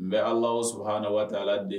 N bɛ ala o suha ni waati ala de